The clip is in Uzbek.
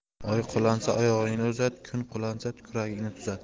oy qulansa oyog'ingni uzat kun qulansa kuragingni tuzat